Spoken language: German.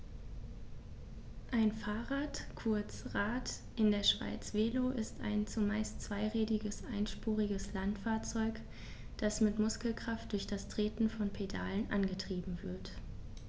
Ein Fahrrad, kurz Rad, in der Schweiz Velo, ist ein zumeist zweirädriges einspuriges Landfahrzeug, das mit Muskelkraft durch das Treten von Pedalen angetrieben wird.